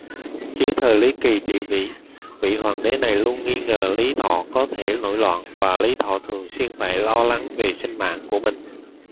dưới thời lý kỳ trị vì vị hoàng đế này luôn nghi ngờ lý thọ có thể nổi loạn và lý thọ thường xuyên phải lo lắng về sinh mạng của mình